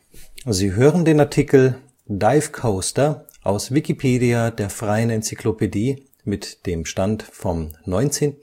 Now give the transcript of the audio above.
Sie hören den Artikel Dive Coaster, aus Wikipedia, der freien Enzyklopädie. Mit dem Stand vom Der